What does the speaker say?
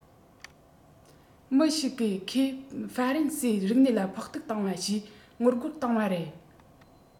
མི ཞིག གིས ཁོས ཧྥ རན སིའི རིག གནས ལ ཕོག ཐུག བཏང བ ཞེས ངོ རྒོལ བཏང བ རེད